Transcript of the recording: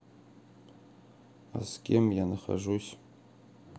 а с кем я нахожусь